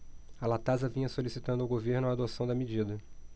a latasa vinha solicitando ao governo a adoção da medida